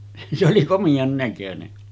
se oli komean näköinen